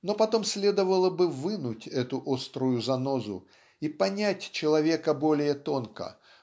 но потом следовало бы вынуть эту острую занозу и понять человека более тонко